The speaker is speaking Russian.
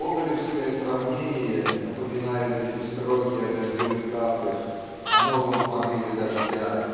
гоголевское сравнение напоминают эти строки о дождевых каплях о новом порыве дождя